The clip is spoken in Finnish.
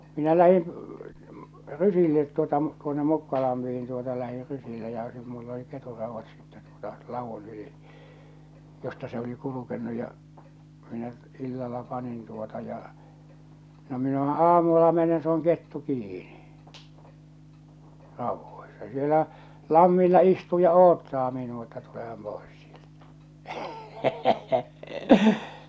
minä lähdin rysille tuota tuonne Mukkalampeen tuota lähdin rysille ja - minulla oli ketunraudat sitten tuota ladun yli josta se oli kulkenut ja minä illalla panin tuota ja no minähän aamulla menen se on kettu kiinni raudoissa siellä lammilla istuu ja odottaa minua että tulehan pois sieltä